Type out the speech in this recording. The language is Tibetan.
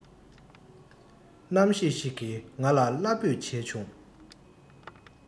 རྣམ ཤེས ཤིག གིས ང ལ བླ འབོད བྱེད བྱུང